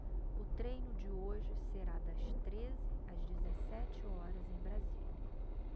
o treino de hoje será das treze às dezessete horas em brasília